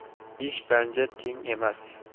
besh panja teng emas